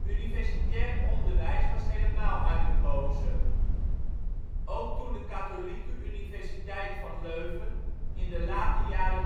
Universitair onderwijs was helemaal uit den boze. Ook toen de Katholieke Universiteit van Leuven in de late jaren